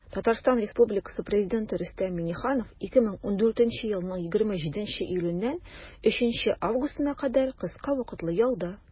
Татарстан Республикасы Президенты Рөстәм Миңнеханов 2014 елның 27 июленнән 3 августына кадәр кыска вакытлы ялда.